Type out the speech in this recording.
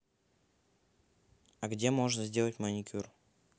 а где можно сделать маникюр